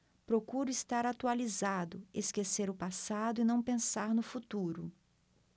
procuro estar atualizado esquecer o passado e não pensar no futuro